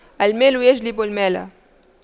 المال يجلب المال